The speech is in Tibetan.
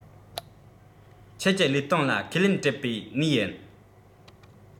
ཁྱེད ཀྱི ལུས སྟེང ལ ཁས ལེན འབྲད བའི གནས ཡིན